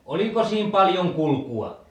oliko siinä paljon kulkua